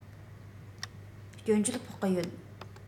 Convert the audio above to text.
སྐྱོན བརྗོད ཕོག གི ཡོད